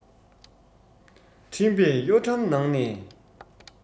འཕྲིན པས གཡོ ཁྲམ ནང ནས